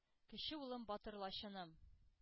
Кече улым, батыр лачыным.